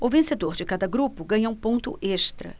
o vencedor de cada grupo ganha um ponto extra